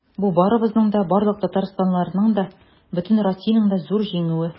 Бу барыбызның да, барлык татарстанлыларның да, бөтен Россиянең дә зур җиңүе.